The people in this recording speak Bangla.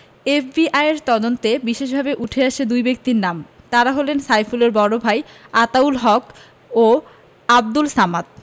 এফবিআইয়ের তদন্তে বিশেষভাবে উঠে এসেছে দুই ব্যক্তির নাম তাঁরা হলেন সাইফুলের বড় ভাই আতাউল হক ও আবদুল সামাদ